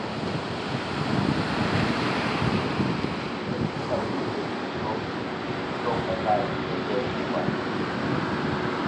เกิดอุบัติเหตุล้มตรงบันไดจนเดินไม่ไหว